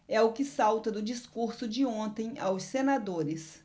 é o que salta do discurso de ontem aos senadores